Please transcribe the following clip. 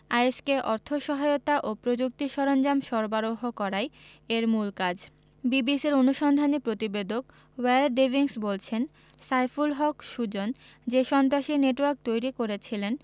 is কে অর্থ সহায়তা ও প্রযুক্তি সরঞ্জাম সরবরাহ করাই এর মূল কাজ বিবিসির অনুসন্ধানী প্রতিবেদক ওয়্যার ডেভিস বলছেন সাইফুল হক সুজন যে সন্ত্রাসী নেটওয়ার্ক তৈরি করেছিলেন